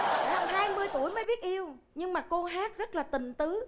hai mươi tuổi mới biết yêu nhưng mà cô hát rất là tình tứ